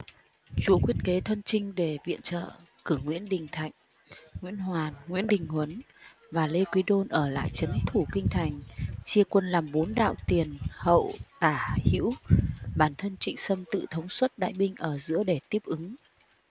chúa quyết kế thân chinh để viện trợ cử nguyễn đình thạch nguyễn hoàn nguyễn đình huấn và lê quý đôn ở lại trấn thủ kinh thành chia quân làm bốn đạo tiền hậu tả hữu bản thân trịnh sâm tự thống suất đại binh ở giữa để tiếp ứng